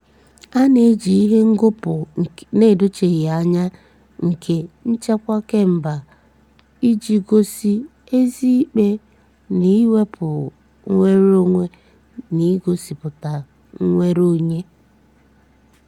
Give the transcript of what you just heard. A na-eji ihe ngọpụ na-edocheghị anya nke "nchekwa kemba" iji gosi eziikpe n'iwepụsị nnwere onwe n'igosipụta onwe onye.